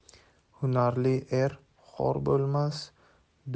hunarli er xor bo'lmas